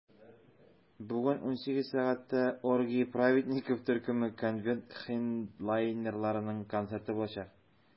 Бүген 18 сәгатьтә "Оргии праведников" төркеме - конвент хедлайнерларының концерты булачак.